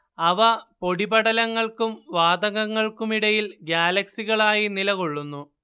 അവ പൊടിപടലങ്ങൾക്കും വാതകങ്ങൾക്കുമിടയിൽ ഗ്യാലക്സികളായി നിലകൊള്ളുന്നു